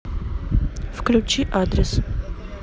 включи адрес